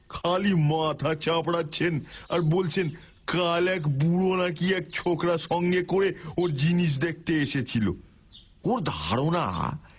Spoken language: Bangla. খালি মাথা চাপড়াচ্ছেন আর বলছেন কাল এক বুড়ো নাকি এক ছোকরা সঙ্গে করে ওঁর জিনিস দেখতে এসেছিল ওঁর ধারণা